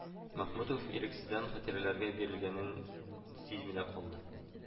Мәхмүтов ирексездән хатирәләргә бирелгәнен сизми дә калды